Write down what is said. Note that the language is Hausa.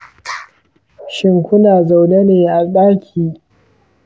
shin kuna zaune ne a cikin ɗaki mai cunkoso wanda babu isasshen iska mai shiga da fita?